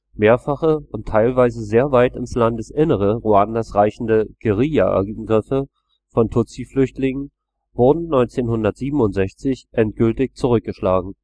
Mehrfache und teilweise sehr weit ins Landesinnere Ruandas reichende Guerilla-Angriffe von Tutsi-Flüchtlingen wurden 1967 endgültig zurückgeschlagen